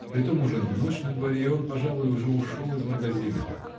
Притом уже ночь на дворе -- и он, пожалуй, уже ушел из магазина.